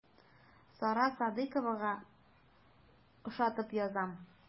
Сара Садыйковага ошатып язам.